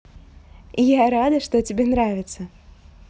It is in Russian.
я рада то что тебе нравится